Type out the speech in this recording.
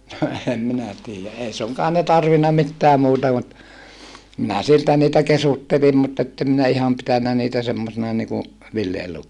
no en minä tiedä ei suinkaan ne tarvinnut mitään muuta mutta minä siltä niitä kesyttelin mutta että en minä ihan pitänyt niitä semmoisina niin kuin villielukoina